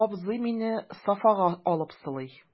Абзый мине софага алып сылый.